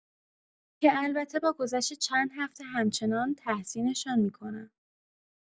که البته با گذشت چند هفته همچنان تحسین‌شان می‌کنم.